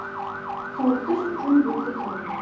sovutish uchun bo'lsa kerak